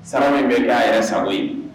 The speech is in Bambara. Sa min bɛ taa yɛrɛ sago ye